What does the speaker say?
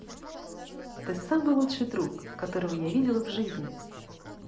ты самый лучший друг которого я видела в жизни